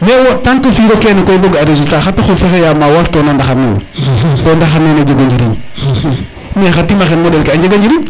mais wo tank fi'iro kene bo ga resultat xa taxu o fexeya ma war tona ndaxar nene to ndaxar nene jeg u o njiriñ me xa tima xe moɗel ke a njega o njiriñ